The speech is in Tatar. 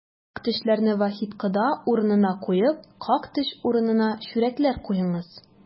Как-төшләрне Вахит кода урынына куеп, как-төш урынына чүрәкләр куеңыз!